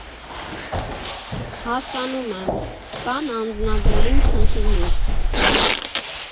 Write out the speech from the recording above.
Հասկանում եմ, կան անձնագրային խնդիրներ։